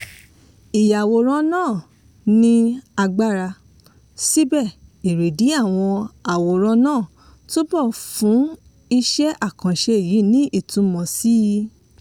"Ìyàwòrán náà ni agbára, síbẹ̀ erédìí àwọn àwòrán náà túbọ̀ fún iṣẹ́ àkànṣe yìí ní ìtumọ̀ síi.